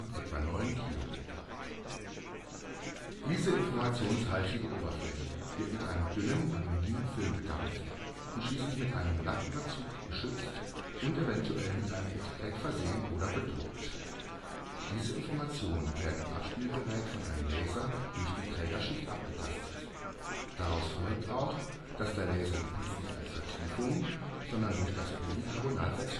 etwa 9 km). Diese „ informationshaltige “Oberfläche wird mit einem dünnen Aluminiumfilm bedampft und schließlich mit einem Lacküberzug geschützt und eventuell mit einem Etikett versehen oder bedruckt. Diese Informationen werden im Abspielgerät von einem Laser durch die Trägerschicht abgetastet. Daraus folgt auch, dass der Laser die Pits nicht als Vertiefungen, sondern durch das Polycarbonat als